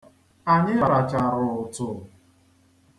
Anyị rachara ụtụ.